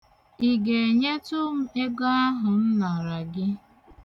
Ị ga-enyetụ m ego ahụ m nara gị.